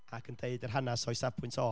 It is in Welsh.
ac yn deud yr hanes o'i safbwynt o.